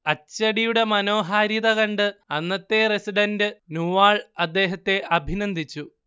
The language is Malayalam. അച്ചടിയുടെ മനോഹാരിത കണ്ട് അന്നത്തെ റസിഡന്റ് നൂവാൾ അദ്ദേഹത്തെ അഭിനന്ദിച്ചു